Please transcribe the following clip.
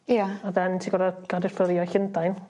Ia. A then ti gor'o' Llundain.